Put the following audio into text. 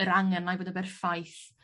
yr angen 'na i fod yn berffaith.